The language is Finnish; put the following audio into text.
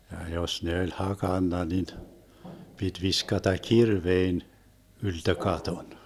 ja jos ne oli hakannut niin piti viskata kirveen ylttö katon